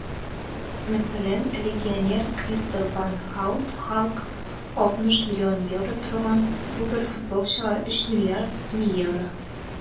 Мәсәлән, легионер Кристоф ван Һаут (Халк) 60 млн евро торган - бу бер футболчыга 3 млрд сум евро!